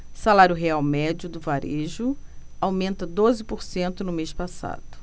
salário real médio do varejo aumenta doze por cento no mês passado